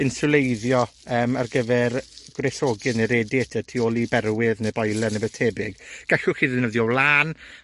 inswleiddio yym ar gyfer gwresogydd, ne' radiator tu ôl i berwydd ne' boiler ne' wbeth tebyg. Gallwch chi ddefnyddio wlân.